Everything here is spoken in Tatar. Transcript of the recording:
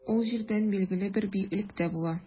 Ул җирдән билгеле бер биеклектә була.